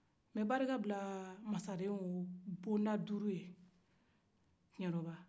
nbɛ barika bila o masaren soda suru ye